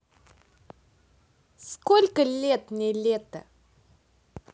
сколько лет мне лето